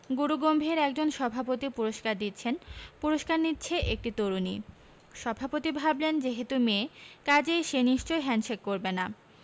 গুরুগম্ভীর একজন সভাপতি পুরস্কার দিচ্ছেন পুরস্কার নিচ্ছে একটি তরুণী সভাপতি ভাবলেন যেহেতু মেয়ে কাজেই সে নিশ্চয়ই হ্যাণ্ডশেক করবে না